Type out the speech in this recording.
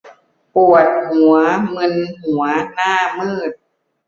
ปวดหัวมึนหัวหน้ามืด